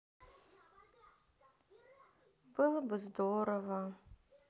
было бы здорово